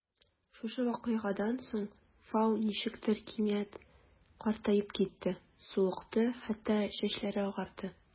Шушы вакыйгадан соң Фау ничектер кинәт картаеп китте: сулыкты, хәтта чәчләре агарды.